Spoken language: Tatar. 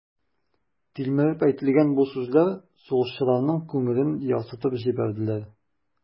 Тилмереп әйтелгән бу сүзләр сугышчыларның күңелен ярсытып җибәрделәр.